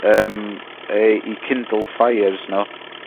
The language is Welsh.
Yym yy 'i Kindle Fires nw.